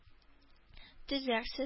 Төзәрсез